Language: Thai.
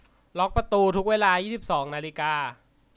ล็อคประตูทุกเวลายี่สิบสองนาฬิกา